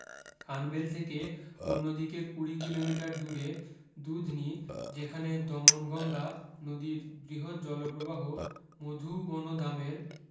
খানভেল থেকে অন্যদিকে কুড়ি কিলোমিটার দূরে দুধনি যেখানে দমনগঙ্গা নদীর বৃহত জলপ্রপাত মধুবনদামের